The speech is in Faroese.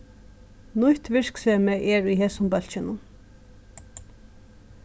nýtt virksemi er í hesum bólkinum